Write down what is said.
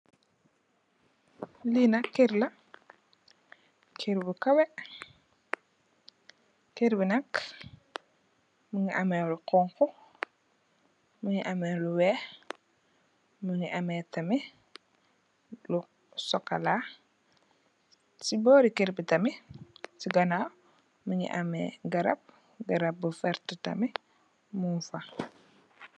Lii nak kerr la, kerr bu kaweh, kerr bii nak mungy ameh lu honhu, mungy ameh lu wekh, mungy ameh tamit lu chocolat, cii bohri kerr bii tamit cii ganaw mungy ameh garab, garab bu vert tamit mung fa.